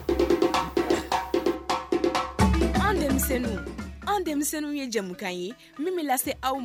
An denmisɛnninw ye jamu ye aw